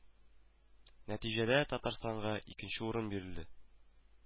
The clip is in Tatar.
Нәтиҗәдә, Татарстанга 2нче урын бирелде